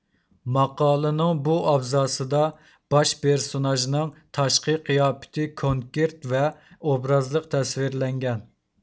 ماقالىنىڭ بۇ ئابزاسىدا باش پېرسوناژنىڭ تاشقى قىياپىتى كونكرېت ۋە ئوبرازلىق تەسۋىرلەنگەن